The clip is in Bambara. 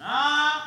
A